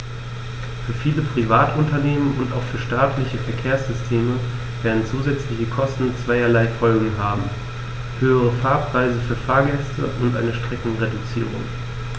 Für viele Privatunternehmen und auch für staatliche Verkehrssysteme werden zusätzliche Kosten zweierlei Folgen haben: höhere Fahrpreise für Fahrgäste und eine Streckenreduzierung.